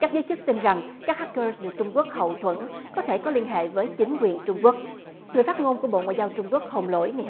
các giới chức tin rằng các hách cơ người trung quốc hậu thuẫn có thể có liên hệ với chính quyền trung quốc người phát ngôn của bộ ngoại giao trung quốc hồng lỗi ngày